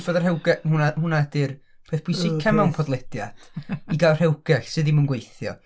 Diffodd y rhewgell hwnna hwnna ydy'r peth pwysica mewn podlediad i gael rhewgell sydd ddim yn gweithio.